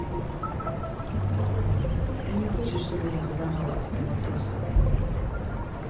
ты не хочешь чтобы я задавала тебе вопросы